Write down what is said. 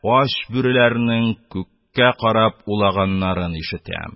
Ач бүреләрнең күккә карап улаганнарын ишетәм.